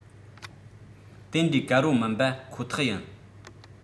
སྐམ པོ དེ འདྲ ཞིག གཏན ནས མིན